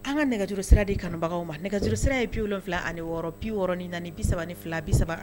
An ka nɛgɛjuru sira de kanubagaw ma nɛgɛjuru sira ye bi wolonwula ani biɔrɔn ni bi saba ni fila bi